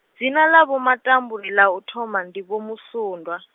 dzina ḽa Vho Matambule ḽa u thoma ndi Vho Musundwa.